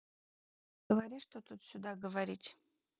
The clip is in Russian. да говори что тут сюда говорит